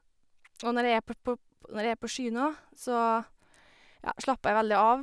Og når jeg er på på p Når jeg på sjyna, så, ja, slapper jeg veldig av.